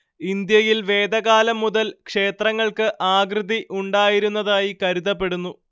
ഇന്ത്യയിൽ വേദകാലം മുതൽ ക്ഷേത്രങ്ങൾക്ക് ആകൃതി ഉണ്ടായിരുന്നതായി കരുതപ്പെടുന്നു